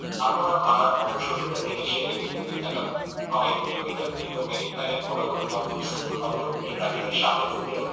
আড়মোড়া ভাঙার মতো শরীরটা টেনে সে এদিক ওদিক তাকাল কয়েক কিলোমিটার দীর্ঘ মেরিন প্যারেড বরাবরই অদ্ভুত সুন্দর অবয়ব নিয়ে রাকিবের সামনে ফুটে ওঠে